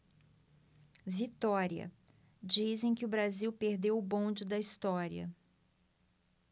vitória dizem que o brasil perdeu o bonde da história